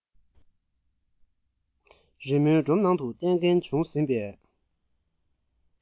རི མོའི སྒྲོམ ནང དུ གཏན ཁེལ བྱུང ཟིན པའི